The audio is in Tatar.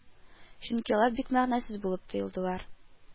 Чөнки алар бик мәгънәсез булып тоелдылар